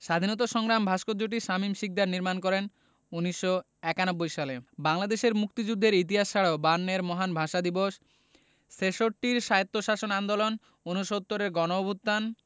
স্বাধীনতা সংগ্রাম ভাস্কর্যটি শামীম শিকদার নির্মাণ করেন ১৯৯১ সালে বাংলাদেশের মুক্তিযুদ্ধের ইতিহাস ছাড়াও বায়ান্নর মহান ভাষা দিবস ছেষট্টির স্বায়ত্তশাসন আন্দোলন উনসত্তুরের গণঅভ্যুত্থান